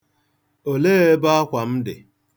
Olee ebe akwa a m dị?